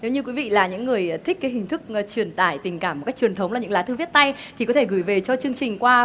nếu như quý vị là những người thích cái hình thức truyền tải tình cảm một cách truyền thống là những lá thư viết tay thì có thể gửi về cho chương trình qua